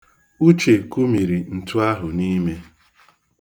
Uche kụmiri ntu ahụ n'ime.